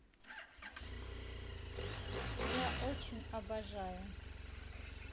я очень обожаю